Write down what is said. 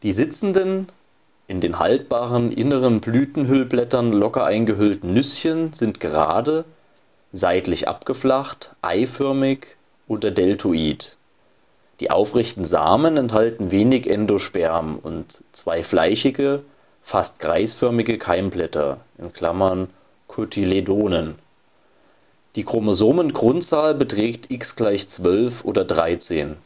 sitzenden, in den haltbaren inneren Blütenhüllblättern locker eingehüllten Nüsschen sind gerade, seitlich abgeflacht, eiförmig oder deltoid. Die aufrechten Samen enthalten wenig Endosperm und zwei fleischige, fast kreisförmige Keimblätter (Kotyledonen). Die Chromosomengrundzahl beträgt x = 12 oder 13.